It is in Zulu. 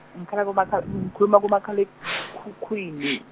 ngikhalam- ngikhuluma, kumakhal' ekhukhwini.